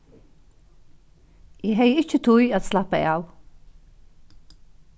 eg hevði ikki tíð at slappa av